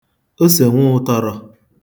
osè nwụụ̄tọ̄rọ̄